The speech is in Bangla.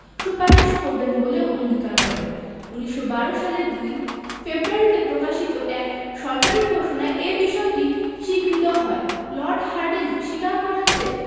সুপারিশ করবেন বলেও অঙ্গীকার করেন ১৯১২ সালের ২ ফেব্রুয়ারিতে প্রকাশিত এক সরকারি ঘোষণায় এ বিষয়টি স্বীকৃত হয় লর্ড হার্ডিঞ্জ স্বীকার করেন যে